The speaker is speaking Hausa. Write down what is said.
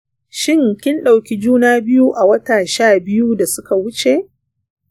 shin kin dauki juna biyu a wata sha biyu da suka wuce?